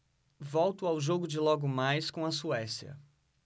volto ao jogo de logo mais com a suécia